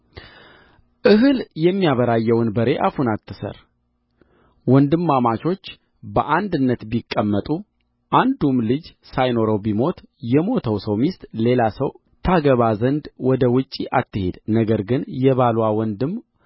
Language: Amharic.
እህል የሚያበራየውን በሬ አፉን አትሰር ወንድማማቾች በአንድነት ቢቀመጡ አንዱም ልጅ ሳይኖረው ቢሞት የሞተው ሰው ሚስት ሌላ ሰው ታገባ ዘንድ ወደ ውጭ አትሂድ ነገር ግን የባልዋ ወንድም